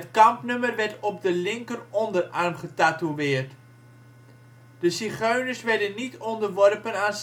kampnummer werd op de linker onderarm getatoeëerd. De zigeuners werden niet onderworpen aan